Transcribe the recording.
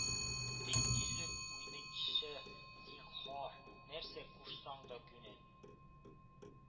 Тик тизүк уйныйкчы, зинһар, нәрсә кушсаң да күнәм.